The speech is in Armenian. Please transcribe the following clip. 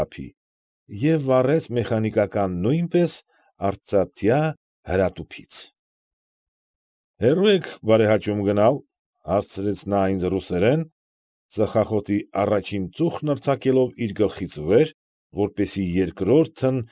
Թափի և վառեց մեխանիկական նույնպես արծաթյա հրատուփից։ ֊ Հեռո՞ւ եք բարեհաճում գնալ,֊ հարցրեց նա ինձ ռուսերեն, ծխախոտի առաջին ծուխն արձակելով իր գլխից վեր, որպեսզի երկրորդն։